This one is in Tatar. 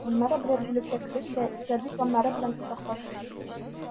Аннары берәр бүлеккә керер дә иҗади планнары белән уртаклашыр.